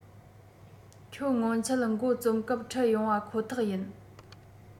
ཁྱོད སྔོན ཆད འགོ རྩོམ སྐབས འཕྲད ཡོང བ ཁོ ཐག ཡིན